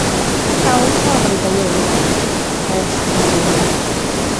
Ma' sawl ffor o fynd â Wil i wely. Wy wastad yn meddwl hynna.